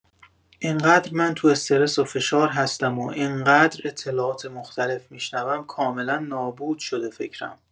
اینقدر من تو استرس و فشار هستم و اینقدر اطلاعات مختلف می‌شنوم کاملا نابود شده فکرم.